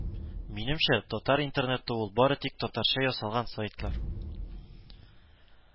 Минемчә, татар интернеты ул бары тик татарча ясалган сайтлар